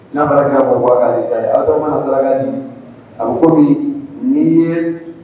a bɛ komi n'i ye